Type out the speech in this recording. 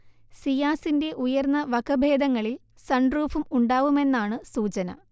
സിയാസിന്റെ ഉയർന്ന വകഭേദങ്ങളിൽ സൺറൂഫും ഉണ്ടാവുമെന്നാണ് സൂചന